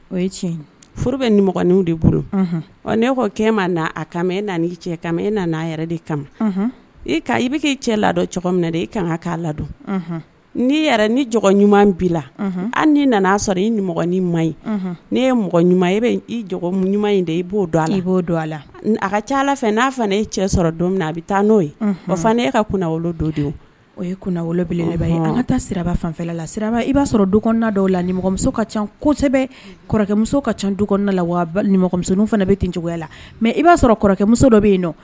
O tiɲɛ furu bɛ niinw de bolo nekɛ ma na a kamami e nan i cɛmi e nana n' a yɛrɛ de kamami i bɛ' cɛ ladɔn cogo min na dɛ i kan ka'a ladon n'i yɛrɛ ni ɲuman bi la hali nii nana' sɔrɔ i niin ma n'i ye mɔgɔ ɲuman i ɲuman in de i b'o don a la i b'o don a la a ka ca ala fɛ n'a fana cɛ sɔrɔ don min a bɛ taa n'o ye fana e ka wolo don don o ye kunele ye ka taa siraba fanla la sira i b'a sɔrɔ duna dɔw lamuso ka ca kosɛbɛ kɔrɔkɛmuso ka ca duda la wa nimuso fana bɛ ten cogoya la mɛ i b'a sɔrɔ kɔrɔkɛmuso dɔ bɛ yen